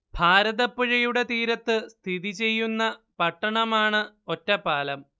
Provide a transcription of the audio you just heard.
ഭാരതപ്പുഴയുടെ തീരത്ത് സ്ഥിതി ചെയ്യുന്ന പട്ടണമാണ് ഒറ്റപ്പാലം